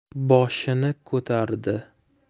boshini ko'tardi